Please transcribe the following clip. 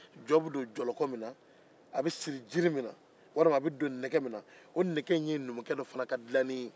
jɔn bɛ siri fɛn min na jiri walima nɛgɛ o ye numu dɔ ka dilalen ye